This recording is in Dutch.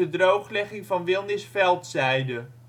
drooglegging van Wilnis Veldzijde